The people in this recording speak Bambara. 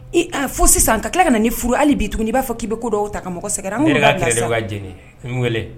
A fo sisan ka tila ka nin furu hali bi tugun i b' fɔ k'i ko dɔw ta ka mɔgɔsɛ